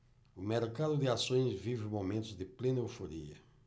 o mercado de ações vive momentos de plena euforia